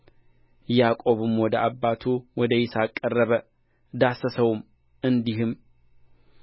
ያዕቆብም ወደ አባቱ ወደ ይስሐቅ ቀረበ ዳሰሰውም እንዲህም